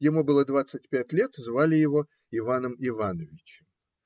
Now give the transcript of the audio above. Ему было двадцать пять лет, звали его Иваном Ивановичем.